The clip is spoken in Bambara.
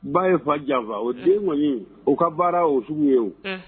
Ba ye fa janfa o den kɔni ye u ka baara o sugu ye